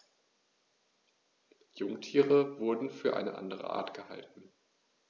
Jungtiere wurden für eine andere Art gehalten.